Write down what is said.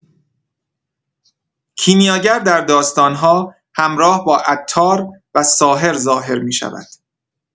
کیمیاگر در داستان‌ها همراه با عطار و ساحر ظاهر می‌شود.